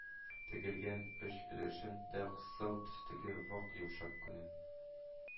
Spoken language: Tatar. Тегелгән, оч өлешен дә аксыл төстәге вак йомшак күн